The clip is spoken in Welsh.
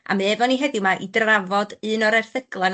###a mae efo ni heddiw 'ma i drafod un o'r erthyglau